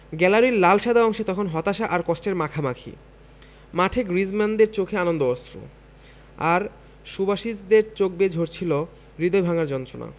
গ্যালারির লাল সাদা অংশে তখন হতাশা আর কষ্টের মাখামাখি মাঠে গ্রিজমানদের চোখে আনন্দ অশ্রু আর সুবাসিচদের চোখ বেয়ে ঝরছিল হৃদয় ভাঙার যন্ত্রণা